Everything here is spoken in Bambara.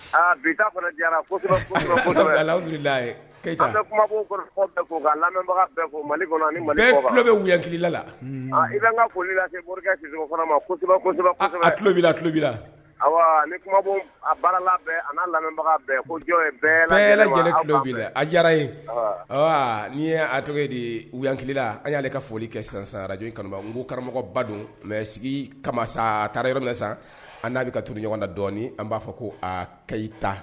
Bila lalo nibagalo a diyara yen n'i ye cogo de wukilila an y'ale ka foli kɛ sansaraj karamɔgɔba don mɛ sigi kamamasa taara yɔrɔ sa an n'a bɛ ka turun ɲɔgɔn la dɔɔnin an b'a fɔ ko a kata